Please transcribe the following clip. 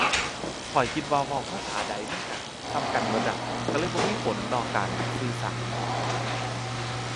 ข้อยคิดว่าเว้าภาษาใด มันก็ส่ำกันเบิดอะ ก็เลยบ่มีผลต่อการสื่อสาร